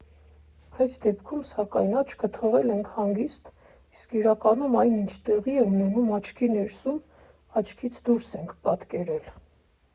Այս դեպքում, սակայն, աչքը թողել ենք հանգիստ, իսկ իրականում, այն ինչ տեղի է ունենում աչքի ներսում, աչքից դուրս ենք պատկերել։